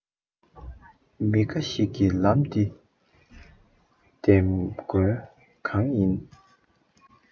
མི འགའ ཞིག གིས ལམ འདི འདེམ དགོས དོན གང ཡིན